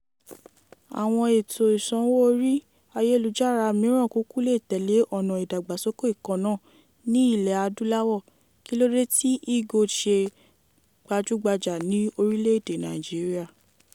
Àwọn ètò ìṣanwó orí ayélujára mìíràn kúkú lè tẹ̀lé ọ̀nà ìdàgbàsókè kan náà, ní ilẹ̀ Adúláwọ̀: Kílódé tí e-gold ṣe gbajúgbajà ní orílẹ̀-èdè Nigeria?